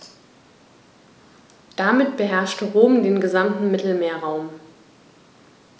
Damit beherrschte Rom den gesamten Mittelmeerraum.